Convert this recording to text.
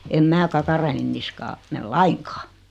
en minä kakaroiden niskaan mene lainkaan